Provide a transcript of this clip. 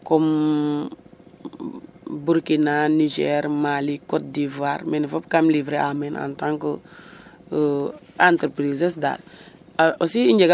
Comme Burkina, Niger, Mali, Cote d'ivoire, mene fop kaam livrer a men en tant que entreprise es daal e aussi i njega